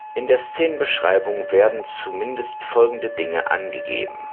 In der Szenenbeschreibung werden zumindest folgende Daten angegeben